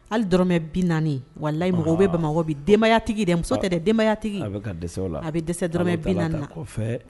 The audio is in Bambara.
Hali dɔrɔnɔrɔmɛ bi naani walayi mɔgɔ bɛ bamakɔ bɛ denbayaya tigi dɛ muso tɛ denbayaya tigi la a bɛ dɛsɛ d dɔrɔnmɛ